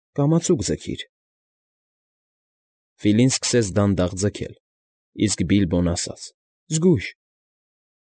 Կամացուկ ձգիր։ Ֆիլին սկսեց կամացուկ ձգել, իսկ Բիլբոն ասաց. ֊ Զգույշ։